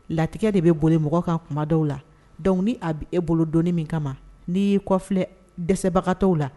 Latigɛ de bɛ boli mɔgɔ ka kuma dɔw la dɔnku ni a bɛ e bolo doni min kama nii kɔfilɛ dɛsɛbagatɔw la